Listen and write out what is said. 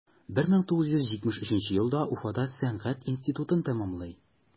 1973 елда уфада сәнгать институтын тәмамлый.